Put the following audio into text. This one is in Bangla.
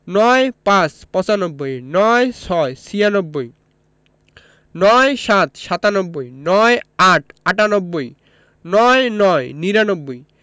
৯৫ পচানব্বই ৯৬ ছিয়ানব্বই ৯৭ সাতানব্বই ৯৮ আটানব্বই ৯৯ নিরানব্বই